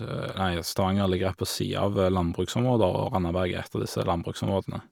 nei Stavanger ligger rett på sia av landbruksområder, og Randaberg er ett av disse landbruksområdene.